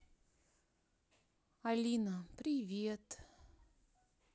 алина привет